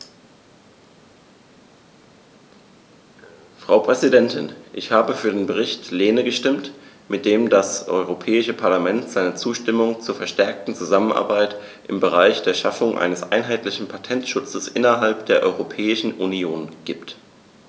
Frau Präsidentin, ich habe für den Bericht Lehne gestimmt, mit dem das Europäische Parlament seine Zustimmung zur verstärkten Zusammenarbeit im Bereich der Schaffung eines einheitlichen Patentschutzes innerhalb der Europäischen Union gibt.